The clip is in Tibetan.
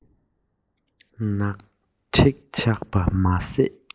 སྐེ དང བྲང ཡོད ཚད ཁམ ཆུས ནོག འདུག